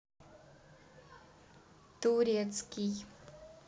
турецкий